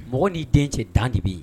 Mɔgɔ n'i den cɛ dan de bɛ yen.